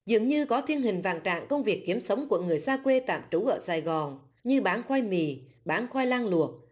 dường như có thiên hình vạn trạng công việc kiếm sống của người xa quê tạm trú ở sài gòn như bán khoai mì bán khoai lang luộc